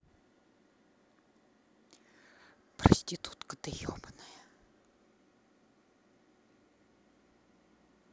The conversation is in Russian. проститутка ты ебаная